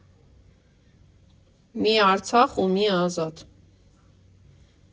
Մի Արցախ ու մի Ազատ։